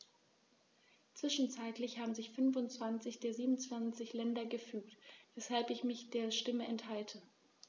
Zwischenzeitlich haben sich 25 der 27 Länder gefügt, weshalb ich mich der Stimme enthalte.